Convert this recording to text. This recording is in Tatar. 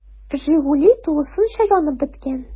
“жигули” тулысынча янып беткән.